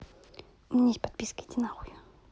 у меня есть подписка идинахуй